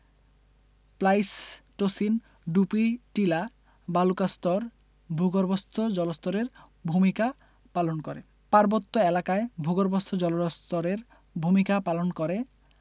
Pleistocene Dupi Tila বালুকাস্তর ভূগর্ভস্থ জলস্তরের ভূমিকা পালন করে পার্বত্য এলাকায় ভূগর্ভস্থ জলস্তরের ভূমিকা পালন করে